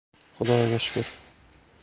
xudoga shukr